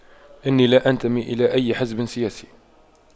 إني لا أنتمي إلى أي حزب سياسي